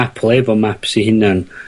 Apple efo maps 'i hunan.